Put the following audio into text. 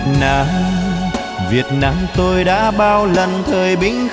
nam việt nam tôi đã bao lần thời binh